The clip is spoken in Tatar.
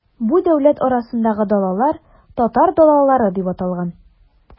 Бу дәүләт арасындагы далалар, татар далалары дип аталган.